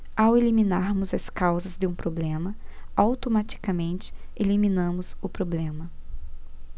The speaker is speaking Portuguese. ao eliminarmos as causas de um problema automaticamente eliminamos o problema